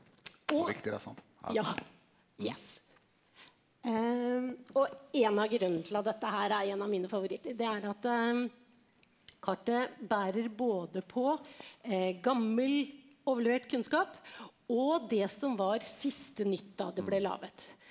og ja yes og en av grunnene til at dette her er en av mine favoritter det er at kartet bærer både på gammel, overlevert kunnskap og det som var siste nytt da det ble laget.